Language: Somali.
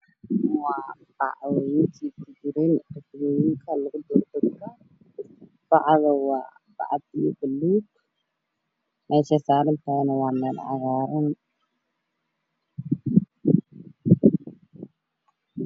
Waxaa ii muuqda irbad ku jirto bac fara badan waxaa i dul saaran yihiin meel cagaar